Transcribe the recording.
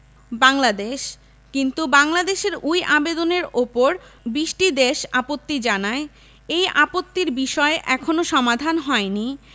বাংলাদেশ কিন্তু বাংলাদেশের ওই আবেদনের ওপর ২০টি দেশ আপত্তি জানায় এই আপত্তির বিষয় এখনো সমাধান হয়নি